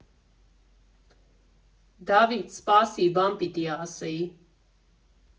Դավիթ, սպասի, բան պիտի ասեի։